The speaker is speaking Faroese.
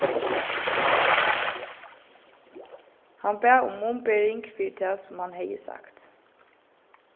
hann bað um umbering fyri tað sum hann hevði sagt